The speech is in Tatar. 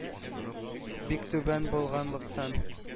Бик түбән булганлыктан,